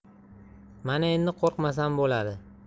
mana en di qo'rqmasam bo'ladi